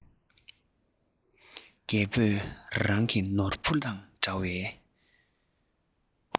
རྒད པོས རང གི ནོར བུ དང འདྲ བའི